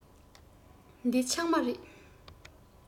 འདི ཕྱགས མ རིད